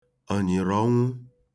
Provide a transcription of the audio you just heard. ọ̀nyị̀rị̀ ọnwụ